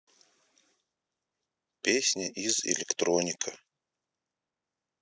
песня из электроника